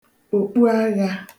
òkpuaghā